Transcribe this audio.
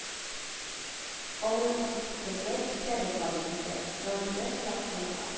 Аның үтеп китәргә исәбе бар иде дә, Разыя сорап калырга